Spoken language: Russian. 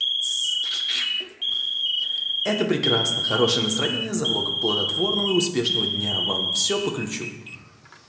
это прекрасно хорошее настроение залог плодотворного и успешного дня вам все по ключу